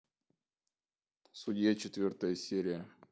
судья четвертая серия